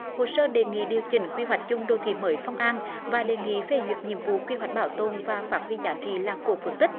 hồ sơ đề nghị điều chỉnh quy hoạch chung đô thị mới phong an và đề nghị phê duyệt nhiệm vụ quy hoạch bảo tồn và phát huy giá trị làng cổ phước tích